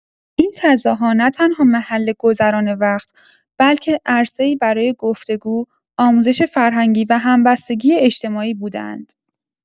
این فضاها نه‌تنها محل گذران وقت، بلکه عرصه‌ای برای گفت‌وگو، آموزش فرهنگی و همبستگی اجتماعی بوده‌اند.